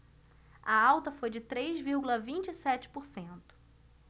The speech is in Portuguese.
a alta foi de três vírgula vinte e sete por cento